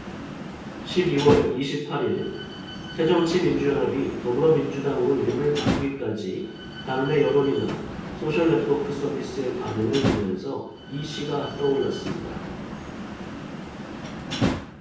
십 이 월 이십 팔 일 새정치민주연합이 더불어민주당으로 이름을 바꾸기까지 당내 여론이나 소셜네트워크서비스의 반응을 보면서 이 시가 떠올랐습니다